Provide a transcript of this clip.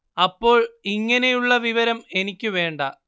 അപ്പോൾ ഇങ്ങനെയുള്ള വിവരം എനിക്ക് വേണ്ട